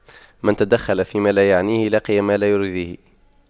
من تدخل فيما لا يعنيه لقي ما لا يرضيه